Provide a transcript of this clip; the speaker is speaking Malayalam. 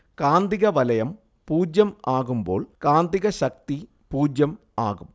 കാന്തിക വലയം പൂജ്യം ആകുമ്പോൾ കാന്തികശക്തി പൂജ്യം ആകും